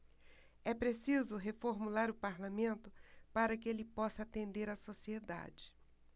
é preciso reformular o parlamento para que ele possa atender a sociedade